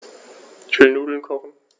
Ich will Nudeln kochen.